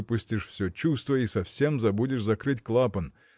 выпустишь все чувство и совсем забудешь закрыть клапан